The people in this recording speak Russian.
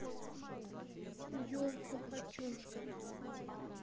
елку хочу